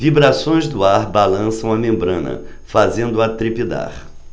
vibrações do ar balançam a membrana fazendo-a trepidar